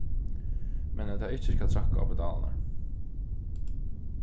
men at tað ikki skal traðka á pedalarnar